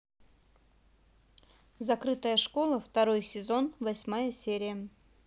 закрытая школа второй сезон восьмая серия